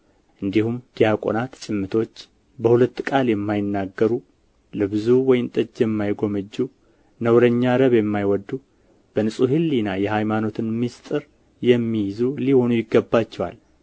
እንዲሁም ዲያቆናት ጭምቶች በሁለት ቃል የማይናገሩ ለብዙ ወይን ጠጅ የማይጎመጁ ነውረኛ ረብ የማይወዱ በንጹሕ ሕሊና የሃይማኖትን ምሥጢር የሚይዙ ሊሆኑ ይገባቸዋል